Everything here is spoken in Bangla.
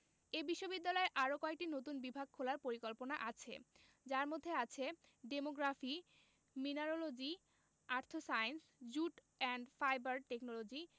এই বিশ্ববিদ্যালয়ের আরও কয়েকটি নতুন বিভাগ খোলার পরিকল্পনা আছে যার মধ্যে আছে demography mineralogy earth science jute and fibre technology